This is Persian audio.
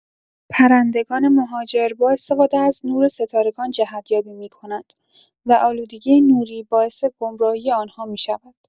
پرندگان مهاجر با استفاده از نور ستارگان جهت‌یابی می‌کنند و آلودگی نوری باعث گمراهی آن‌ها می‌شود.